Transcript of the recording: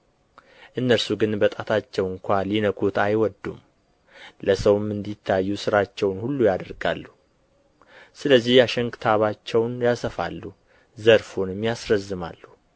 እነርሱ ግን በጣታቸው ስንኳ ሊነኩት አይወዱም ለሰውም እንዲታዩ ሥራቸውን ሁሉ ያደርጋሉ ስለዚህ አሽንክታባቸውን ያሰፋሉ ዘርፉንም ያስረዝማሉ